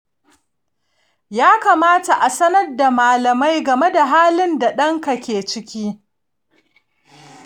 ya kamata a sanar da malamai game da halin da ɗan ka ke ciki.